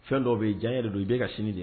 Fɛn dɔ bɛ yen diya yɛrɛ don i bɛ ka sini de ye